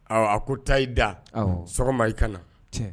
A ko taa'i da sɔgɔma i ka na